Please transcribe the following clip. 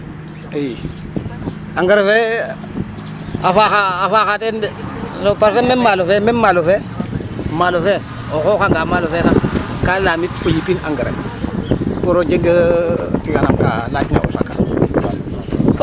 II engrais fe a faaxa ,a faaxa teen de ndax parce que meme maalo fe meme maalo fe maalo fe o xooxanga maalo fe sax ka yaam it o yipin engrais pour o jeg tiyanam ka yaacna o sakan.